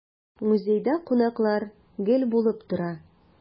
Музейда кунаклар гел булып тора.